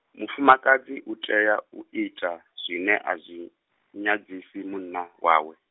mufumakadzi utea u ita, zwine azwi, nyadzisi munna wawe.